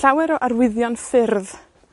llawer o arwyddion ffyrdd